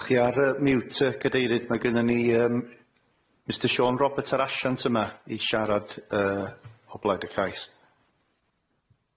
'Dych chi ar yy miwt yy cadeirydd? Mae gynnon ni yym Mister Siôn Robert yr asiant yma i siarad yy o blaid y cais.